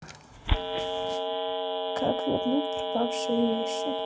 как вернуть пропавшие вещи